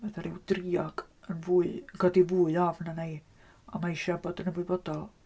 Fatha ryw driog yn fwy... yn codi fwy o ofn arna i ond mae eisiau bod yn ymwybodol.